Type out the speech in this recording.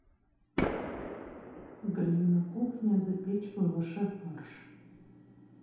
галина кухня запечь в лаваше фарш